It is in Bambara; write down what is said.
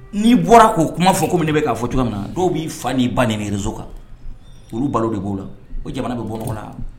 N'i bɔra k'o kuma fɔ kɔmi min bɛ'a fɔ cogo min na dɔw b'i fa n'i ba niz kan olu balo b'o la o jamana bɛ bɔ